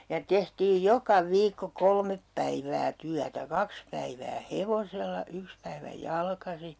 ja tehtiin joka viikko kolme päivää työtä kaksi päivää hevosella yksi päivä jalkaisin